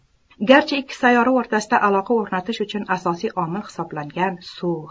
garchi ikki sayyora o'rtasida aloqa o'rnatish uchun asosiy omil hisoblangan suv